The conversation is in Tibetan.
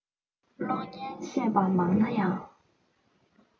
བློ ངན ཤེས པ མང ན ཡང